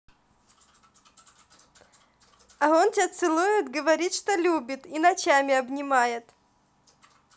а он тебя целует говорит что любит и ночами обнимает